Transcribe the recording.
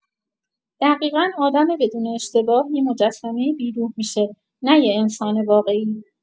دقیقا، آدم بدون اشتباه یه مجسمۀ بی‌روح می‌شه، نه یه انسان واقعی.